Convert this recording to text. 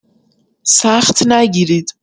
سخت نگیرید.